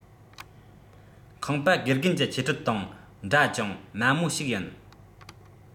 ཁང པ དགེ རྒན གྱི འཆད ཁྲིད དང འདྲ ཅུང དམའ མོ ཞིག ཡིན